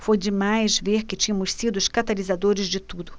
foi demais ver que tínhamos sido os catalisadores de tudo